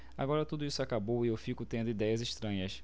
agora tudo isso acabou e eu fico tendo idéias estranhas